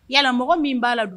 Yalalamɔgɔ min b'a la